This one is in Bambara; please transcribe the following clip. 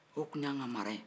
o tun y'anw ka mara ye